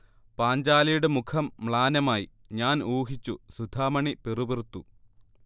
പാഞ്ചാലിയുടെ മുഖം മ്ളാനമായി 'ഞാൻ ഊഹിച്ചു' സുധാമണി പിറുപിറുത്തു